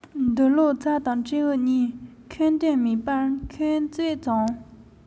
འདི ལོ བྱ དང སྤྲེའུ གཉིས འཁོན དོན མེད པར འཁོན རྩོད བྱུང